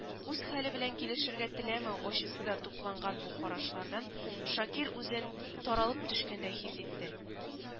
Үз хәле белән килешергә теләмәү ачысы да тупланган бу карашлардан шакир үзен таралып төшкәндәй хис итте